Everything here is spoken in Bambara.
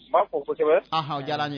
Maw fo kosɛbɛ anhan o diyara an ye